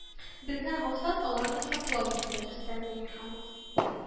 Безнең максат аларны саклау, диде Рөстәм Миңнеханов